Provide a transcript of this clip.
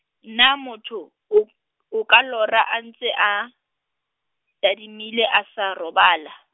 na motho o, o ka lora a ntse a, tadimile a sa robala?